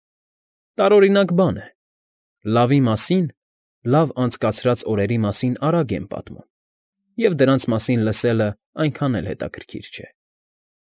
Տարօրինակ բան է. լավի մասին, լավ անցկացրած օրերի մասին արագ են պատմում, և դրանց մասին լսելն այնքան էլ հետաքրքիր չէ։